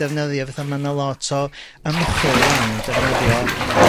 ...defnyddio fytha ma' 'na lot o ymchwil 'wan yn defnyddio